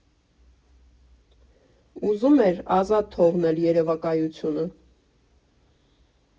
Ուզում էր ազատ թողնել երևակայությանը։